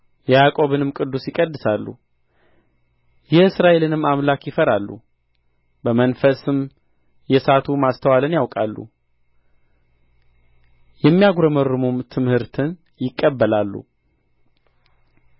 የያዕቆብንም ቅዱስ ይቀድሳሉ የእስራኤልንም አምላክ ይፈራሉ በመንፈስም የሳቱ ማስተዋልን ያውቃሉ የሚያጕረመርሙም ትምህርትን ይቀበላሉ